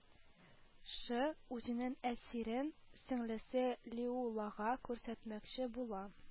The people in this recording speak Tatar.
Шы, үзенең әсирен сеңелесе лиу-лага күрсәтмәкче була